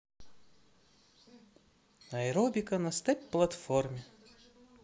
аэробика на степ платформе